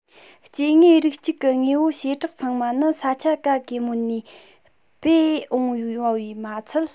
སྐྱེ དངོས རིགས གཅིག གི དངོས པོའི བྱེ བྲག ཚང མ ནི ས ཆ ག གེ མོ ནས སྤོས འོངས པའི མ ཚད